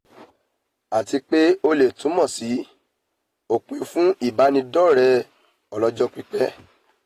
Àtipé o leè túmọ̀ sí òpin fún ìbánidọ́ọ̀rẹ́ ọlọ́jọ́ pípẹ́.